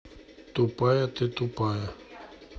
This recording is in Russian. тупая ты тупая